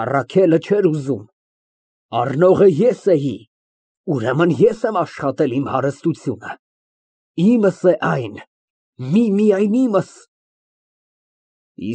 Առաքելը չէր ուզում, առնողը ես էի, ուրեմն ես եմ աշխատել իմ հարստությունը, իմս է այն, միմիայն իմս։